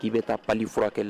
K'i bɛ taa palu furakɛ li